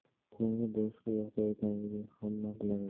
ko'ngli boshqa yoqda ekanligi xamma bilar edi